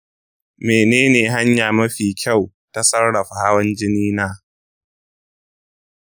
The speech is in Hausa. menene hanya mafi kyau ta sarrafa hawan jini na?